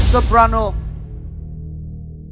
sô